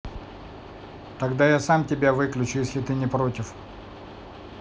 тогда я сам тебя выключу если ты не против